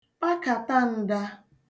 kpakàta ǹda